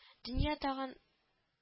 – дөнья тагын